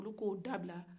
o da bila